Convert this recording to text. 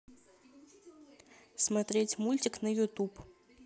смотреть мультик на ютуб